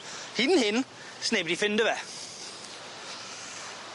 Hyd yn hyn sneb 'di ffindo fe.